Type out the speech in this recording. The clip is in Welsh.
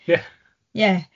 Ie... Ie.